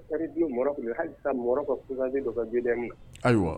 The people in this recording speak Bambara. Tun hali taa ka kusan dɔ ka na ayiwa